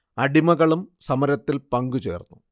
അടിമകളും സമരത്തിൽ പങ്കു ചേർന്നു